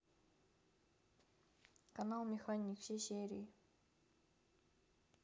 канал механик все серии